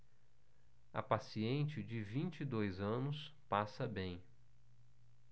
a paciente de vinte e dois anos passa bem